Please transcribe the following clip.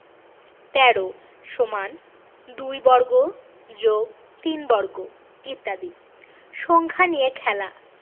১৩ = ২ বর্গ + ৩ বর্গ ইত্যাদি সংখ্যা নিয়ে খেলা